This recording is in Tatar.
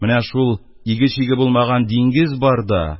Менә шул иге-чиге булмаган диңгез бар да,